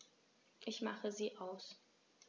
Ich mache sie aus.